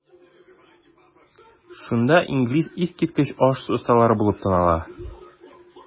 Шунда Илгиз искиткеч аш-су остасы булып таныла.